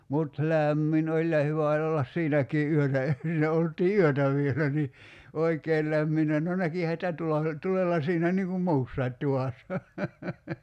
mutta lämmin oli ja hyvä oli olla siinäkin yötä - siinä oltiin yötä vielä niin oikein lämminnyt no näkihän sitä - tulella siinä niin kuin muussakin tuvassa